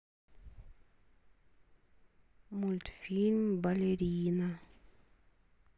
мультфильм балерина